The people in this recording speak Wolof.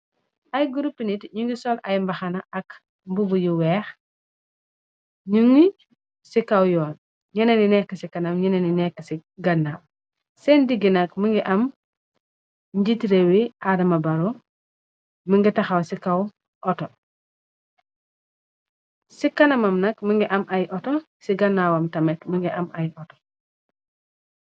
Ay gurupi nit ñu ngi sol ay mbaxana ak mbubu yu weex, ñu gi ci kaw yoon, ñeneni nekk ci kanam, ñeneen ci gannaaw, seen diggi nak mi ngi am njiiti réwi Adama Baro mingi taxaw si kaw ooto, si kanamam nak mingi am ay oto, ci gannawam tamet mi ngi am ay oto.